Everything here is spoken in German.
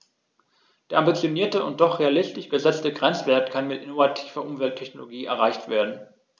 Der ambitionierte und doch realistisch gesetzte Grenzwert kann mit innovativer Umwelttechnologie erreicht werden.